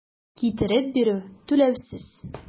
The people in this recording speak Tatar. Китереп бирү - түләүсез.